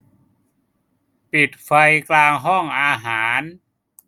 ปิดไฟกลางห้องอาหาร